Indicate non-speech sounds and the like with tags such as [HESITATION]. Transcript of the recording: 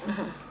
[HESITATION] [HESITATION]